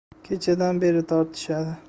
kechadan beri tortishadi